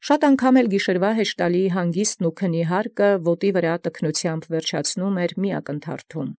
Եւ բազում անգամ զհեշտական հանգիստ գիշերոյն և զհարկ քնոյ՝ յոտնաւոր տքնութեան ի թաւթափել ական վճարէր։